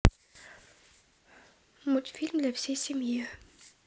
мультфильмы для всей семьи